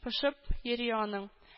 Пошып йөри аның